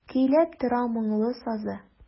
Көйләп тора моңлы сазы.